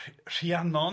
Rhiannon.